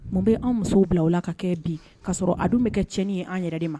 Mun bɛ an musow bila u la ka kɛ bi k kaa sɔrɔ a dun bɛ kɛ cɛnɲɛni ye an yɛrɛ de ma